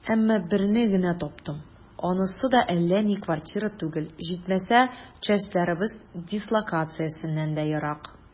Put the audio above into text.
Әмма берне генә таптым, анысы да әллә ни квартира түгел, җитмәсә, частьләребез дислокациясеннән дә ерак.